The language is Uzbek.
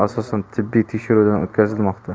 asosda tibbiy tekshiruvdan o'tkazilmoqda